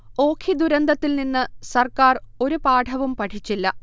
ഓഖി ദുരന്തത്തിൽ നിന്ന് സർക്കാർ ഒരു പാഠവും പടിച്ചില്ല